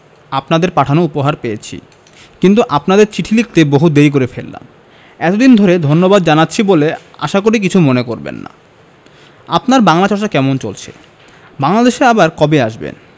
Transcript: আপনাদের পাঠানো উপহার পেয়েছি কিন্তু আপনাদের চিঠি লিখতে বহু দেরী করে ফেললাম এতদিন পরে ধন্যবাদ জানাচ্ছি বলে আশা করি কিছু মনে করবেন না আপনার বাংলা চর্চা কেমন চলছে বাংলাদেশে আবার কবে আসবেন